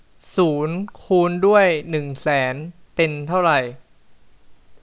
ศูนย์คูณด้วยหนึ่งแสนเป็นเท่าไหร่